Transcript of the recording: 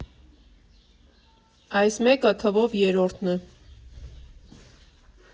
Այս մեկը թվով երրորդն է։